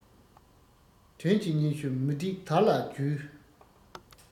དོན གྱི སྙན ཞུ མུ ཏིག དར ལ བརྒྱུས